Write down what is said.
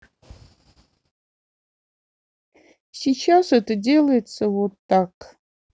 сейчас это делается вот так